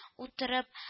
Утыртып